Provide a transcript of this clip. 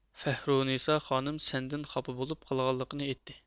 فەھرونىسا خانىم سەندىن خاپا بولۇپ قالغانلىقىنى ئېيتتى